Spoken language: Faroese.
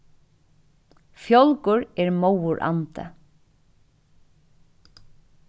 fjálgur er móður andi